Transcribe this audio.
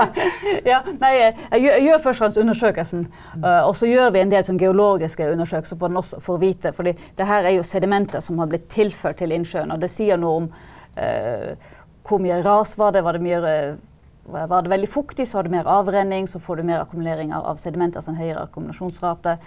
ja nei jeg gjør gjør først og fremst undersøkelsen og så gjør vi en del sånn geologiske undersøkelser på den også for å vite fordi det her er jo sedimenter som har blitt tilført til innsjøen og det sier noe om hvor mye ras var det, var det mye var det veldig fuktig, så har du mer avrenning, så får du mer akkumuleringer av sedimenter som høyere akkumulasjonsrate.